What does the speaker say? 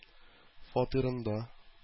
Фатирында